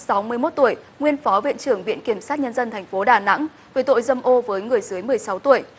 sáu mươi mốt tuổi nguyên phó viện trưởng viện kiểm sát nhân dân thành phố đà nẵng về tội dâm ô với người dưới mười sáu tuổi